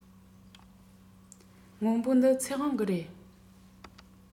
སྔོན པོ འདི ཚེ དབང གི རེད